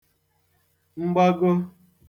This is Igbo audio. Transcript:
mgbago